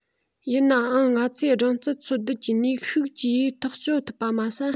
ཡིན ནའང ང ཚོས སྦྲང རྩི འཚོལ སྡུད ཀྱི ནུས ཤུགས ཀྱིས ཐག གཅོད ཐུབ པ མ ཟད